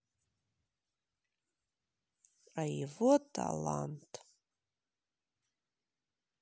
а его талант